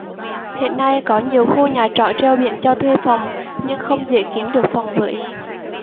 hiện nay có nhiều khu nhà trọ treo biển cho thuê phòng nhưng không dễ kiếm được phòng vừa ý